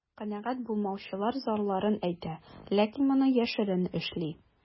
Канәгать булмаучылар зарларын әйтә, ләкин моны яшерен эшли.